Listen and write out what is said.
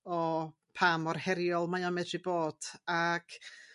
o pa mor heriol mae o medru bod ac